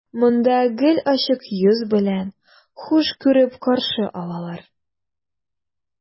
Монда гел ачык йөз белән, хуш күреп каршы алалар.